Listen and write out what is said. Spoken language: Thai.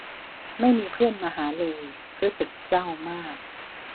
ไม่มีเพื่อนมาหาเลยรู้สึกเศร้ามาก